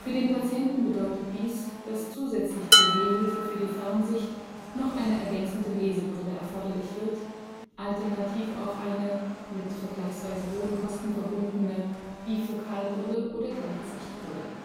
den Patienten bedeutet dies, dass zusätzlich zur Sehhilfe für die Fernsicht noch eine ergänzende Lesebrille erforderlich wird, alternativ auch eine – mit vergleichsweise hohen Kosten verbundene – Bifokalbrille oder Gleitsichtbrille